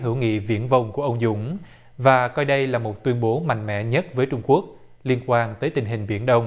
hữu nghị viển vông của ông dũng và coi đây là một tuyên bố mạnh mẽ nhất với trung quốc liên quan tới tình hình biển đông